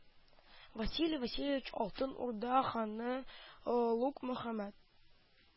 Василий Васильевич Алтын Урда ханы Олуг Мөхәммәд